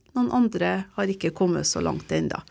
noen andre har ikke kommet så langt enda.